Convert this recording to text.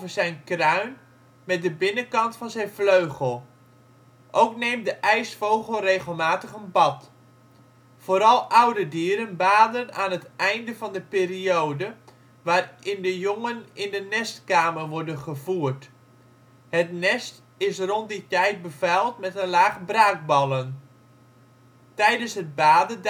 zijn kruin met de binnenkant van zijn vleugel. Ook neemt de ijsvogel regelmatig een bad. Vooral ouderdieren baden aan het einde van de periode waarin de jongen in de nestkamer worden gevoerd. Het nest is rond die tijd bevuild met een laag braakballen. Tijdens het baden